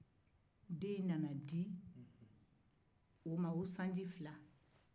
den in nana di u ma o sanji fila